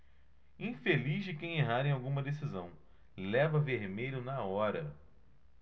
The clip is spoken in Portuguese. infeliz de quem errar em alguma decisão leva vermelho na hora